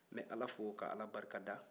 n bɛ ala fo ka ala barika da